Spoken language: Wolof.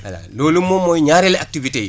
voilà loolu moom mooy ñaareelu activités yi